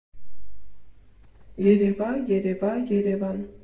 Երևա, երևա, Երևան։